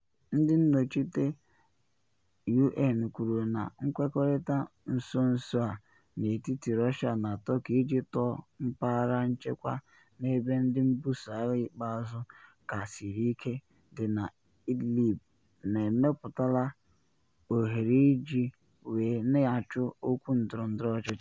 Ndị nnọchite UN kwuru na nkwekọrịta nso nso a n’etiti Russia na Turkey iji tọọ mpaghara nchekwa n’ebe ndị mbuso agha ikpeazụ ka siri ike dị na Idlib nọ emepụtala ohere ij wee na achụ okwu ndọrọndọrọ ọchịchị.